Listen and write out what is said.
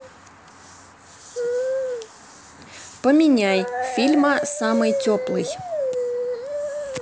поменяй фильма самый теплый